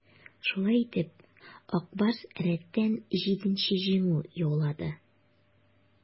Шулай итеп, "Ак Барс" рәттән җиденче җиңү яулады.